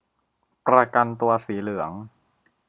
ประกันตัวสีเหลือง